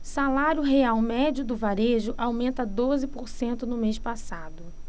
salário real médio do varejo aumenta doze por cento no mês passado